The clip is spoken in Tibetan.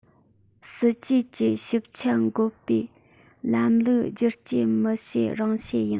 སྲིད འཛིན གྱི ཞིབ མཆན འགོད པའི ལམ ལུགས བསྒྱུར བཅོས མི བྱེད རང བྱེད ཡིན